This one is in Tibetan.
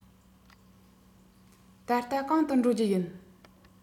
ད ལྟ གང དུ འགྲོ རྒྱུ ཡིན